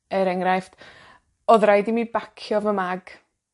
Er enghraifft, odd raid i mi bacio fy mag